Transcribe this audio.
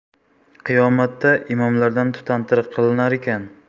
qiyomatda imomlardan tutantiriq qilinar ekan